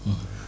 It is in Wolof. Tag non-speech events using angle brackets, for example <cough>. <hesitation> <hesitation>